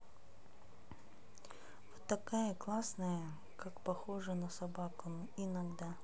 вот такая классная как похожа на собаку и нагора